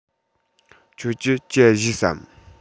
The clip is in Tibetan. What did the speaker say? ཁྱེད ཀྱིས ཇ བཞེས སམ